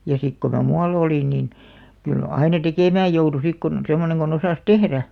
ja sitten kun minä muualla olin niin kyllä aina tekemään joutui sitten kun semmoinen kun osasi tehdä